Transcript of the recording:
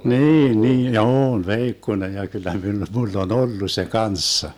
niin niin ja on veikkonen ja kyllä - minulla on ollut se kanssa